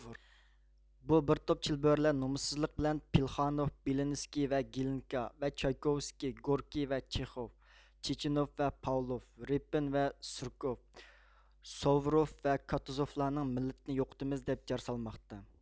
بۇ بىر توپ چىلبۆرىلەر نومۇسسىزلىق بىلەن پلېخانوف بېلىنىسكىي ۋە گلىنكا ۋە چايكوۋىسكىي گوركىي ۋە چىخوف چېچىنوف ۋە پاۋلوف رېپىن ۋە سۇرىكوف سوۋۇرۇف ۋە كوتۇزوفلارنىڭ مىللىتىنى يوقىتىمىز دەپ جار سالماقتا